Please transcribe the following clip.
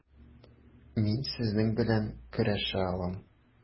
Мин сезнең белән көрәшә алам.